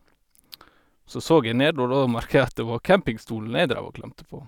Så så jeg ned, og da merka jeg at det var campingstolen jeg dreiv og klemte på.